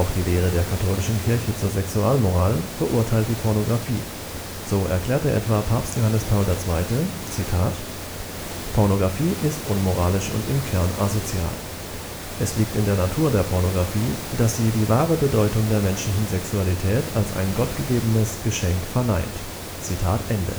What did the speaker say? die Lehre der katholischen Kirche zur Sexualmoral verurteilt die Pornografie, so erklärte etwa Papst Johannes Paul II. „ Pornografie ist unmoralisch und im Kern asozial […]. Es liegt in der Natur der Pornografie, dass sie die wahre Bedeutung der menschlichen Sexualität als ein gottgegebenes Geschenk verneint […]. “Allerdings